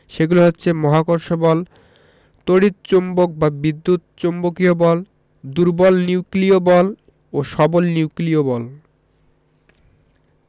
সেগুলো হচ্ছে মহাকর্ষ বল তড়িৎ চৌম্বক বা বিদ্যুৎ চৌম্বকীয় বল দুর্বল নিউক্লিয় বল ও সবল নিউক্লিয় বল